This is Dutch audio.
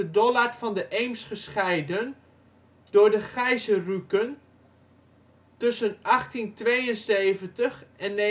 Dollard van de Eems gescheiden door de Geiserücken. Tussen 1872 en 1930